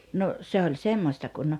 no se oli semmoista kun